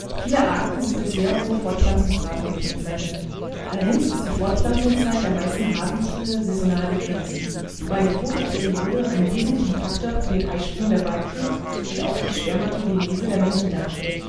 Viele Arten sind durch sehr hohe Fortpflanzungsraten gekennzeichnet. Allerdings ist die Fortpflanzungszeit der meisten Hasentiere saisonal begrenzt, wobei die Photoperiode einen wesentlichen Faktor für den Eisprung der Weibchen und auch die Spermatogenese des Männchen darstellt